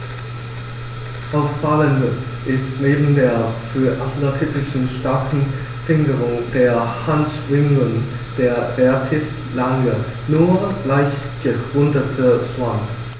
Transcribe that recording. Auffallend ist neben der für Adler typischen starken Fingerung der Handschwingen der relativ lange, nur leicht gerundete Schwanz.